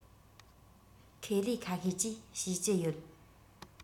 ཁེ ལས ཁ ཤས ཀྱིས བཤས ཀྱི ཡོད